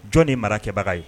Jɔn de ye mara kɛbaga ye?